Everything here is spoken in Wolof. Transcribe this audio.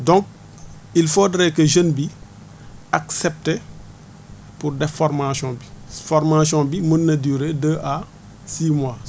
donc il faudrait que jeune bi accepter pour def formation bi formation bi mën na durer deux à six mois